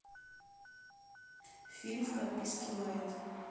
фильм в подписке лайт